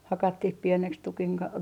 hakattiin pieneksi tukin kanssa